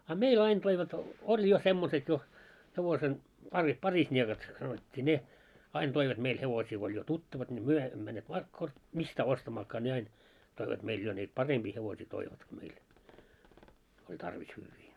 a meillä aina toivat oli jo semmoiset jo hevosen - parisniekat sanottiin ne aina toivat meille hevosia kun oli jo tuttavat niin me emme menneet mistään ostamaankaan ne aina toivat meillä jo niitä parempia hevosia toivatkin meille oli tarvis hyviä